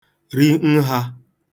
ri nhā